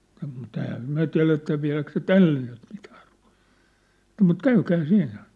mutta eihän me tiedetä vieläkö se tälle nyt mitään ruotaa mutta käykää siinä